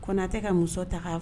Ko tɛ ka muso ta